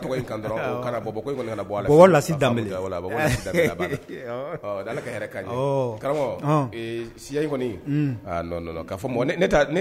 tɔgɔ kan kana bɔ kɔni kana bɔ lalasi da ala ka hɛrɛ ka ye karamɔgɔ siya kɔni nɔn kaa fɔ ne